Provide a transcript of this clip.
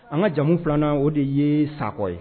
An ka jamu filanan o de ye sakɔ ye